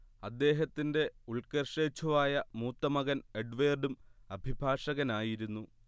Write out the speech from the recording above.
അദ്ദേഹത്തിന്റെ ഉൽക്കർഷേച്ഛുവായ മൂത്തമകൻ എഡ്വേർഡും അഭിഭാഷകനായിരുന്നു